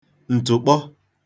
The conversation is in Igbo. ǹtụ̀kpọ